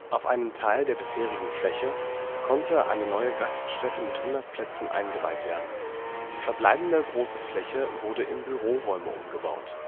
Auf einem Teil der bisherigen Fläche konnte eine neue Gaststätte mit 100 Plätzen eingeweiht werden. Die verbleibende größere Fläche wurde in Büroräume umgebaut